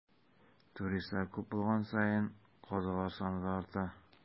Туристлар күп булган саен, казалар саны да арта.